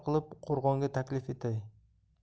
qilib qo'rg'onga taklif etay